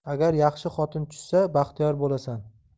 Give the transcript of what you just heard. agar yaxshi xotin tushsa baxtiyor bo'lasan